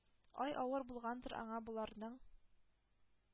Ай, авыр булгандыр аңа боларның